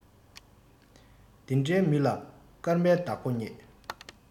དེ འདྲས མི ལ སྐར མའི བདག པོ རྙེད